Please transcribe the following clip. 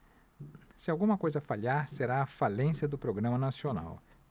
se alguma coisa falhar será a falência do programa nacional